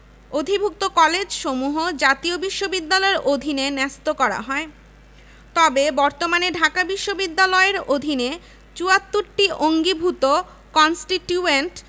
১৯৫৪ সালে রাজশাহী বিশ্ববিদ্যালয় প্রতিষ্ঠিত হলে ওই বিশ্ববিদ্যালয়ের অধীনে ১৭টি কলেজকে অধিভুক্ত করা হয়